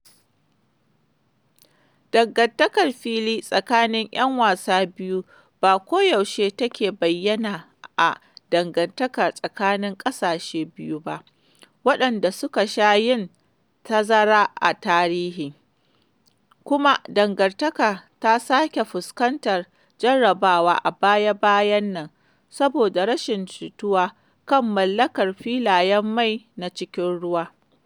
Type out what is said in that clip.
Dangantakar fili tsakanin ‘yan wasa biyu ba koyaushe take bayyana a dangantakar tsakanin ƙasashen biyu ba waɗanda suka sha yin tazara a tarihi, kuma dangantakar ta sake fuskantar jarrabawa a baya-bayan nan saboda rashin jituwa kan mallakar filayen mai na cikin ruwa.